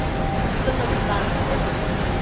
Соңыннан, - диде